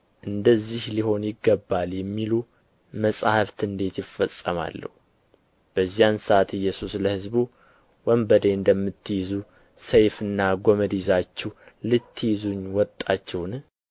እንደዚህ ሊሆን ይገባል የሚሉ መጻሕፍት እንዴት ይፈጸማሉ በዚያን ሰዓት ኢየሱስ ለሕዝቡ ወንበዴን እንደምትይዙ ሰይፍና ጐመድ ይዛችሁ ልትይዙኝ ወጣችሁን